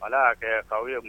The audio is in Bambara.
Ala y'a kɛ ka ye